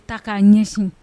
Ta k'a ɲɛsin